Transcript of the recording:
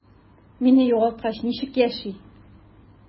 Мине югалткач, ничек яши?